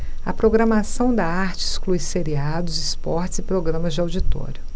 a programação da arte exclui seriados esportes e programas de auditório